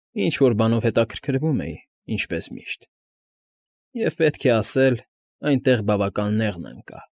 Ինչ֊որ բանով հետաքրքրվում էի, ինչպես միշտ և, պետք է ասել, այնտեղ բավական նեղն ընկա։